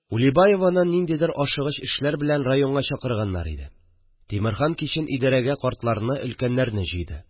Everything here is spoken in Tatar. Улибаеваны ниндидер ашыгыч эшләр белән районга чакырганнар иде – Тимерхан кичен идәрәгә картларны, өлкәннәрне җыйды